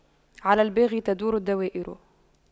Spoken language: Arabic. على الباغي تدور الدوائر